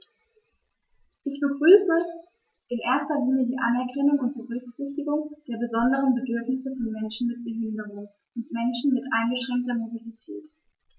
Ich begrüße in erster Linie die Anerkennung und Berücksichtigung der besonderen Bedürfnisse von Menschen mit Behinderung und Menschen mit eingeschränkter Mobilität.